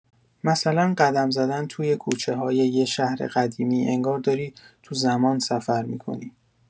مثلا قدم زدن توی کوچه‌های یه شهر قدیمی، انگار داری تو زمان سفر می‌کنی.